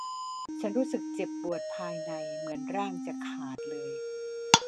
ฉันรู้สึกเจ็บปวดภายในเหมือนร่างจะขาดเลย